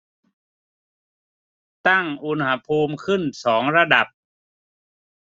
ตั้งอุณหภูมิขึ้นสองระดับ